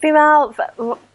Fi me'wl fy- w-...